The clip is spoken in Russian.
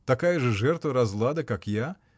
Такая же жертва разлада, как я?